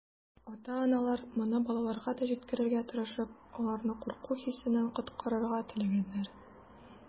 Ата-аналар, моны балаларга да җиткерергә тырышып, аларны курку хисеннән коткарырга теләгәннәр.